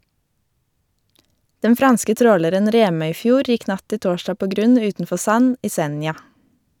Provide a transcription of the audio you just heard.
Den franske tråleren «Remøyfjord» gikk natt til torsdag på grunn utenfor Sand i Senja.